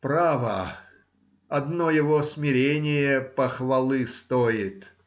Право, одно его смирение похвалы стоит